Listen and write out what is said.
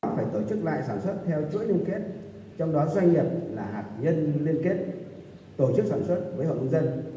họ phải tổ chức lại sản xuất theo chuỗi liên kết trong đó doanh nghiệp là hạt nhân liên kết tổ chức sản xuất với hội nông dân